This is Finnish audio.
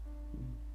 mm